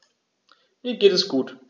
Mir geht es gut.